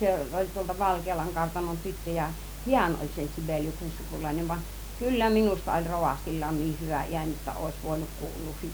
se oli tuolta Valkealan kartanon tyttöjä hän oli sen Sibeliuksen sukulainen vaan vaan kyllä minusta oli rovastilla niin hyvä ääni jotta olisi voinut kuulua yhtä hyvin Sibeliuksen sukuun